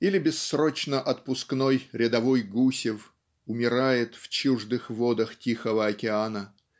Или бессрочно-отпускной рядовой Гусев умирает в чуждых водах Тихого океана